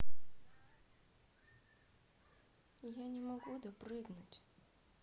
я не могу допрыгнуть